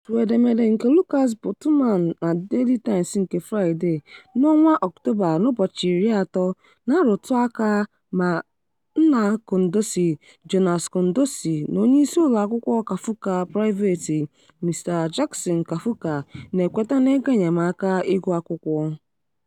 Otu edemede nke Lucas Bottoman na Daily Times nke Fraịdee October 30th na-arutuaka ma nna Kondesi, Jonas Kondesi, na Onyeisi ụlọakwụkwọ Kaphuka Private, Mr. Jackson Kaphuka, na-ekwete n'egoenyemaka iguakwụkwọ.